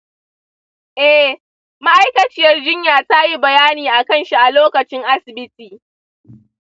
eh, ma'aikaciyar jinya tayi bayani akan shi a lokacin asibiti